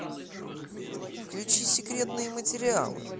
включи секретные материалы